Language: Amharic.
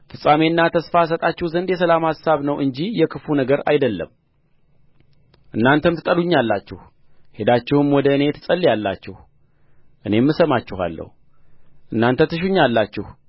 ፍጻሜና ተስፋ እሰጣችሁ ዘንድ የሰላም አሳብ ነው እንጂ የክፉ ነገር አይደለም እናንተም ትጠሩኛለችሁ ሄዳችሁም ወደ እኔ ትጸልያላችሁ እኔም እሰማችኋለሁ እናንተ ትሹኛላችሁ